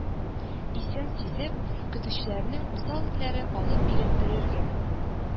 Исен сизеп, көтүчеләрнең усал этләре алып-биреп өрергә